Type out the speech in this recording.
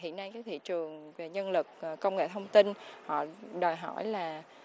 hiện nay các thị trường về nhân lực công nghệ thông tin họ đòi hỏi là